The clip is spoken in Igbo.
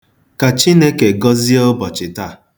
Ka Chineke gọzie ụbọchị taa.